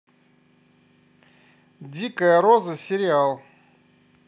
дикая роза сериал